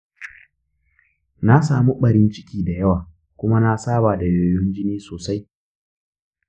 na samu ɓarin-ciki da yawa kuma na saba da yoyon jini sosai